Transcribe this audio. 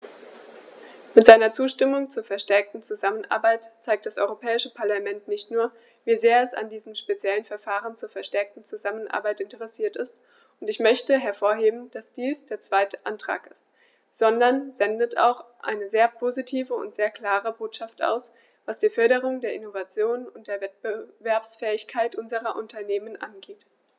Mit seiner Zustimmung zur verstärkten Zusammenarbeit zeigt das Europäische Parlament nicht nur, wie sehr es an diesem speziellen Verfahren zur verstärkten Zusammenarbeit interessiert ist - und ich möchte hervorheben, dass dies der zweite Antrag ist -, sondern sendet auch eine sehr positive und sehr klare Botschaft aus, was die Förderung der Innovation und der Wettbewerbsfähigkeit unserer Unternehmen angeht.